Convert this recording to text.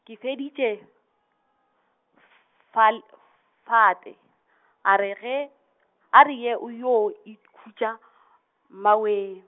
ke feditše , fal-, fate-, a re ge, a re ye o yo ikhutša , mmawee.